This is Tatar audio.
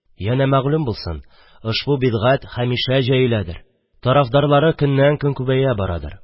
Янә мәгълүм булсын: ошбу бидгатъ һәмишә җәеләдер, тарафдарлары көннән-көн күбәя барадыр